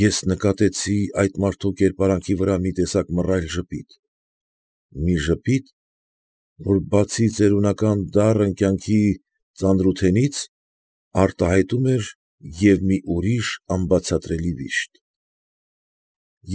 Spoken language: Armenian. Ես նկատեցի այդ մարդու կերպարանքի վրա մի տեսակ մռայլ ժպիտ. մի ժպիտ, որ բացի ծերունական դառն կյանքի ծանրութենից, արտահայտում էր և մի ուրիշ անբացատրելի վիշտ։